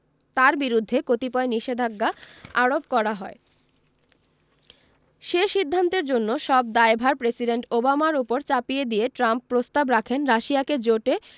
তার বিরুদ্ধে কতিপয় নিষেধাজ্ঞা আরোপ করা হয় সে সিদ্ধান্তের জন্য সব দায়ভার প্রেসিডেন্ট ওবামার ওপর চাপিয়ে দিয়ে ট্রাম্প প্রস্তাব রাখেন রাশিয়াকে জোটে